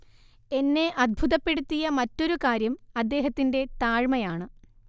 എന്നെ അദ്ഭുതപ്പെടുത്തിയ മറ്റൊരു കാര്യം അദ്ദേഹത്തിന്റെ താഴ്മയാണ്